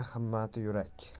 er himmati yurak